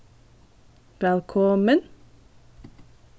vælkomin